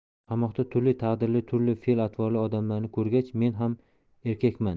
qamoqda turli taqdirli turli fe'l atvorli odamlarni ko'rgach men ham erkakman